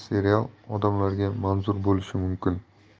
serial odamlarga manzur bo'lishi mumkin